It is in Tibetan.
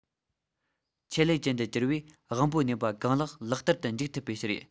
ཆེད ལས ཅན དུ གྱུར པས དབང པོའི ནུས པ གང ལེགས ལག བསྟར དུ འཇུག ཐུབ པའི ཕྱིར ཡིན